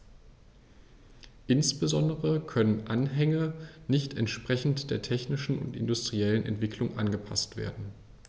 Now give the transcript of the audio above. Insbesondere können Anhänge nicht entsprechend der technischen und industriellen Entwicklung angepaßt werden.